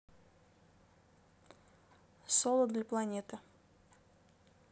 соло для планеты